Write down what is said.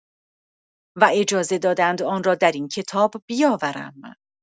و اجازه دادند آن را در این کتاب بیاورم.